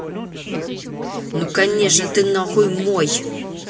конечно ты нахуй мой